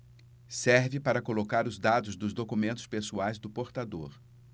serve para colocar os dados dos documentos pessoais do portador